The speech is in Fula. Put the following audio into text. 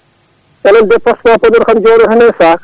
*